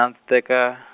a ndzi teka-.